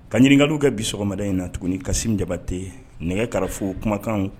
Ka ɲinikali kɛ bi sɔgɔmada in na tuguni kasisi jabate ye nɛgɛkarafo kumakan